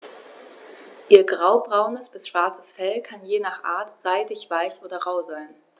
Ihr graubraunes bis schwarzes Fell kann je nach Art seidig-weich oder rau sein.